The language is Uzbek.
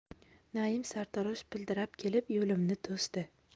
naim sartarosh pildirab kelib yo'limni to'sdi